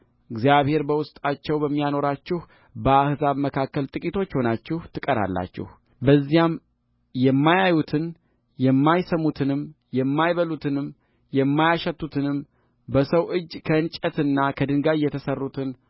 እግዚአብሔር በውስጣቸው በሚያኖራችሁ በአሕዛብ መካከልም ጥቂቶች ሆናችሁ ትቀራላችሁበዚያም የማያዩትን የማይሰሙትንም የማይበሉትንም የማያሸቱትንም በሰው እጅ ከእንጨትና ከድንጋይ የተሠሩትን